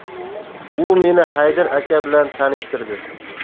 u meni haydar aka bilan tanishtirdi